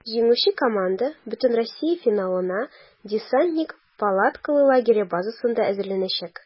Җиңүче команда бөтенроссия финалына "Десантник" палаткалы лагере базасында әзерләнәчәк.